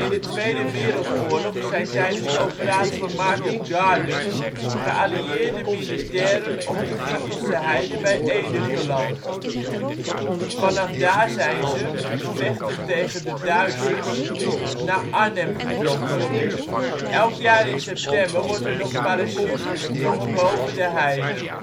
de Tweede Wereldoorlog zijn tijdens " Operatie Market Garden " geallieerde militairen op de Ginkelse Heide bij Ede geland, vanaf daar zijn ze, vechtend tegen de Duitsers, naar Arnhem getrokken. Elk jaar in september wordt er nog parachute gesprongen boven de heide